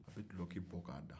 a bɛ duloki bɔ k'a da